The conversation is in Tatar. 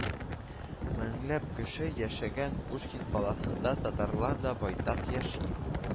Меңләп кеше яшәгән пушкин каласында татарлар да байтак яши